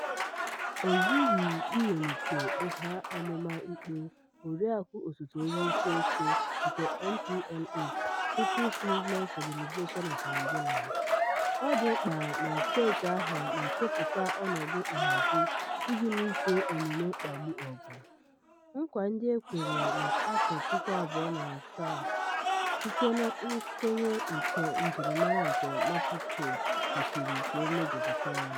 O zughị iwelite nha ọmụma ikpe, Oriakụ osote onye isi oche nke MPLA [People's Movement for the Liberation of Angola], ọ dị mkpa na steeti ahụ na-ekepụta ọnọdụ nhazi iji luso omume mkpagbu ọgụ - nkwa ndị e kwere na 2007 site na nkwenye nke njirimara nke Maputo kwesịrị ka emejupụta ya.